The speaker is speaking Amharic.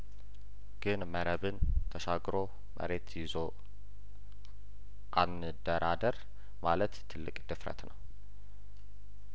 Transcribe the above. ግን መረብን ተሻግሮ መሬት ይዞ አን ደራደር ማለት ትልቅ ድፍረት ነው